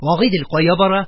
Агыйдел кая бара?